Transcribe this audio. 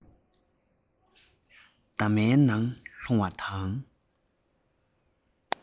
རྫ མའི ནང ལྷུང བ དང